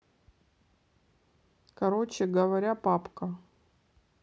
короче говоря папка